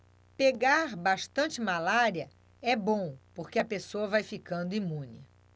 pegar bastante malária é bom porque a pessoa vai ficando imune